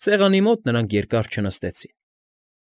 Սեղանի մոտ նրանք երկար չնստեցին։